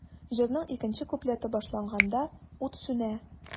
Җырның икенче куплеты башланганда, ут сүнә.